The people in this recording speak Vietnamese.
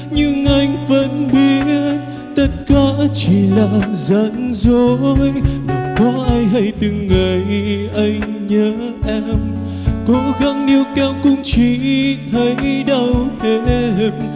nhưng anh vẫn biết tất cả chỉ là gian dối mà có ai hay từng ngày anh nhớ em cố gắng níu kéo cũng chỉ thấy đau thêm